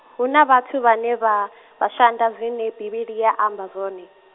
huna vhathu vhane vha, vha shanda zwine Bivhili ya amba zwone.